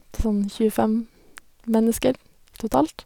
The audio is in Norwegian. Det er sånn tjuefem mennesker totalt.